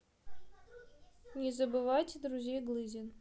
не забывайте друзей глызин